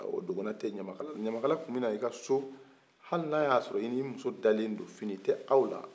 awɔ dogonan te ye ɲamakal kunbɛna ika so hali n'a y'a sɔrɔ i n'i muso dalen do dogona te ye